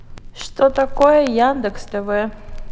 что такое яндекс тв